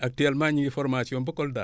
actuellement ñu ngi formation ba Kolda